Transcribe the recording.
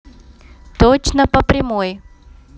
точно по прямой